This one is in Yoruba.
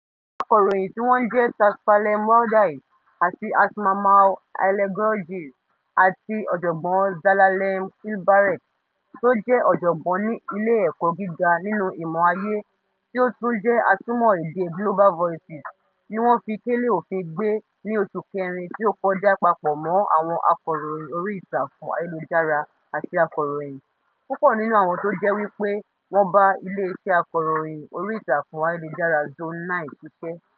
Àwọn akọ̀ròyìn tí wọ́n ń jẹ́ Tesfalem Waldyes àti Asmamaw Hailegiorgis àti ọ̀jọ̀gbọ́n Zelalem Kiberet to jẹ́ ọ̀jọ̀gbọ́n ní ilé ẹ̀kọ́ gíga nínú ìmọ̀ ayé, tí ó tún jẹ́ atúmọ̀ èdè Global Voices, ní wọ́n fi kélé òfin gbé ní oṣù kẹrin tí ó kọjá papọ̀ mọ́ àwọn akọ̀ròyìn orí ìtàkùn ayélujára àti akọ̀ròyìn, púpọ̀ nínú àwọn tó jẹ́ wípé wọ́n bá ilé iṣẹ́ akọ̀ròyìn orí ìtàkùn ayélujára Zone9 ṣiṣẹ́.